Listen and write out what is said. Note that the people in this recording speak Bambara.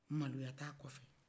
maloya t'a kɔfɛ